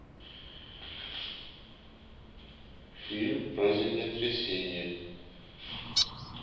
фильм про землетрясение